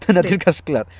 Dyna ydy'r casgliad.